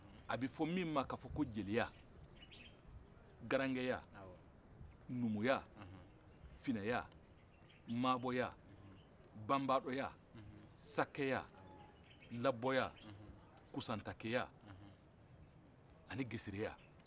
a bɛ fɔ min ma ka fɔ ko jeliya garankɛya numuya finɛya maabɔya banbandɔya sakeya labbɔya kusantakeya ani gesereya